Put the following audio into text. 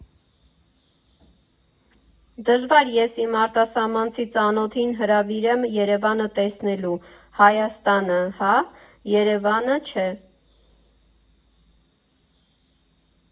Դժվար ես իմ արտասահմանցի ծանոթին հրավիրեմ Երևանը տեսնելու, Հայաստանը՝ հա, Երևանը՝ չէ։